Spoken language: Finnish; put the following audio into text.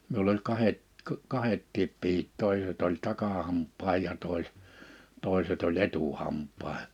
minulla oli kahdet - kahdetkin pihdit toiset oli takahampaan ja - toiset oli etuhampaisiin